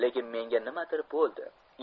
lekin menga nimadir bo'ldi